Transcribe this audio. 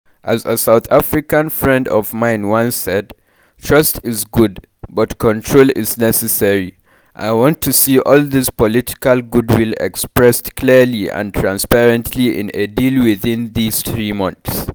As a South African friend of mine once said: “Trust is good, but control is necessary!” [..] I want to see all this political goodwill expressed clearly and transparently in a deal within these three months!